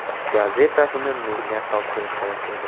gazetasini menga topshirishar edi